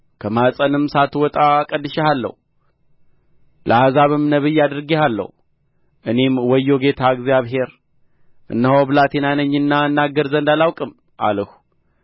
ከማኅፀንም ሳትወጣ ቀድሼሃለሁ ለአሕዛብም ነቢይ አድርጌሃለሁ እኔም ወዮ ጌታ እግዚአብሔር እነሆ ብላቴና ነኝና እናገር ዘንድ አላውቅም አልሁ